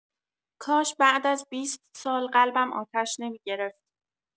کاش بعد از بیست سال قلبم آتش نمی‌گرفت.